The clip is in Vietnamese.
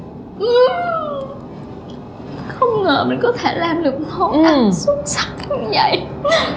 ư không ngờ mình có thể làm được món ăn xuất sắc như vậy